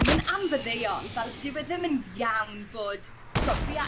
ma'n anfaddeuol fel dyw e ddim yn iawn bod t'bo' fi a...